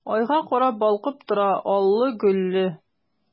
Айга карап балкып тора аллы-гөлле!